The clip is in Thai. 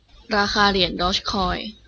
ราคาเหรียญดอร์จคอย